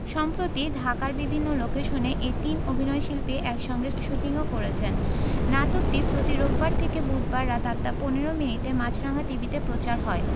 সম্প্রতি ঢাকার বিভিন্ন লোকেশনে এ তিন অভিনয়শিল্পী একসঙ্গে শুটিংও করেছেন নাতকটি প্রতি রোববার থেকে বুধবার রাত ৮টা ১৫ মিনিটে মাছরাঙা টিভিতে প্রচার হয়